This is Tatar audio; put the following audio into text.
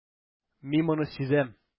Мин моны сизәм.